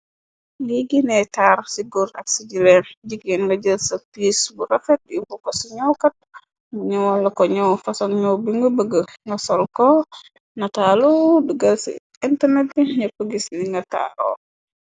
Li giney taar ci góor ak ci jileem jigeen nga jël sak pis bu rafet. Di mu ko ci ñowkat mu ñawall ko ñëw fasal. Nyo bi nga bëgg nga soru ko nataalu dugal ci internet bi ñëpp gis ni nga taaro.